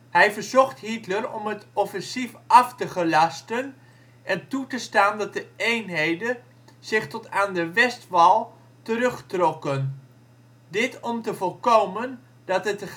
Hij verzocht Hitler om het offensief af te gelasten en toe te staan dat de eenheden zich tot aan de Westwall terugtrokken. Dit om te voorkomen dat het